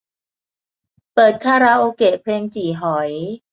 เปิดคาราโอเกะเพลงจี่หอย